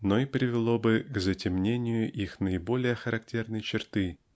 но и привело бы к затемнению их наиболее характерной черты